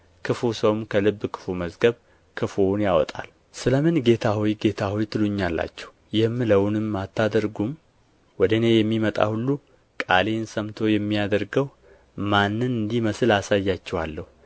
ክፉ ሰውም ከልብ ክፉ መዝገብ ክፉውን ያወጣል ስለ ምን ጌታ ሆይ ጌታ ሆይ ትሉኛላችሁ የምለውንም አታደርጉም ወደ እኔ የሚመጣ ሁሉ ቃሌንም ሰምቶ የሚያደርገው ማንን እንዲመስል አሳያችኋለሁ